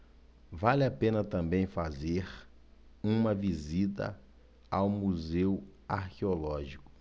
vale a pena também fazer uma visita ao museu arqueológico